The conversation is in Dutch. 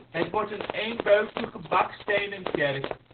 Het wordt een eenbeukige bakstenen kerk